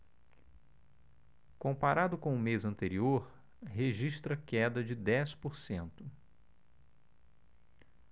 comparado com o mês anterior registra queda de dez por cento